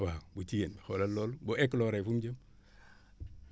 waa bu jigéen bi xoolal loolu bu écloré fu ñu jëm